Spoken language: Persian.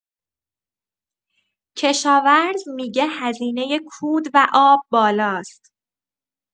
کشاورز می‌گه هزینه کود و آب بالاست.